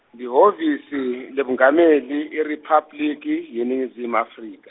lihhovisi, lebungameli, IRiphabliki, yeNingizimu Afrika.